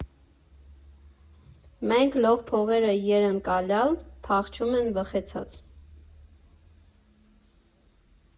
Մհենգ լոխ փողերը յերըն կալյալ փախչումըն վըխեցաց։